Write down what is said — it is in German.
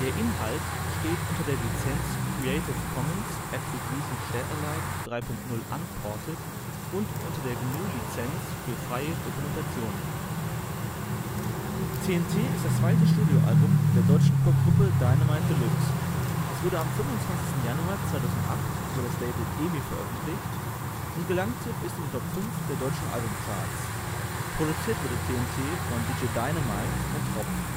Inhalt steht unter der Lizenz Creative Commons Attribution Share Alike 3 Punkt 0 Unported und unter der GNU Lizenz für freie Dokumentation. TNT Studioalbum von Dynamite Deluxe Veröffentlichung 2008 Label EMI Format Album Genre Hip-Hop Anzahl der Titel 13 Produktion DJ Dynamite und Tropf Chronologie Deluxe Soundsystem (2000) TNT – TNT ist das zweite Studioalbum der deutschen Hip-Hop-Gruppe Dynamite Deluxe. Es wurde am 25. Januar 2008 über das Label EMI veröffentlicht und gelangte bis in die Top 5 der deutschen Album-Charts. Produziert wurde TNT von DJ Dynamite und Tropf